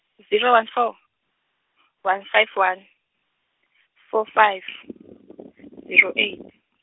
zero one four, one five one, four five, zero eight.